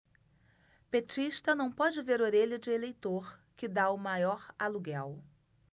petista não pode ver orelha de eleitor que tá o maior aluguel